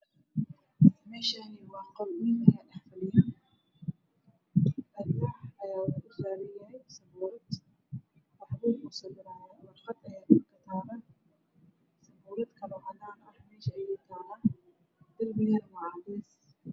Meshani waa qol wiil ayaa dhex fadhiya alwax ayaa wuxuu u saran sabuurad waxbuu sawiraya waraqad ayaa dhulka tala sabuurad kaloo cadan ah mesha ayeey utalaa derbigana waa cadees